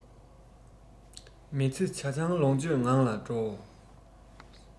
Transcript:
མི ཚེ ཇ ཆང ལོངས སྤྱོད ངང ལ འགྲོ